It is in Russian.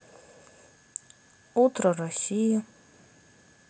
утро россии